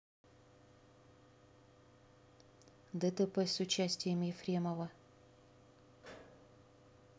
дтп с участием ефремова